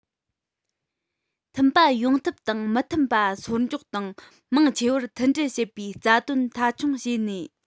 མཐུན པ ཡོང ཐབས དང མི མཐུན པ སོར འཇོག དང མང ཆེ བར མཐུན སྒྲིལ བྱེད པའི རྩ དོན མཐའ འཁྱོངས བྱས ནས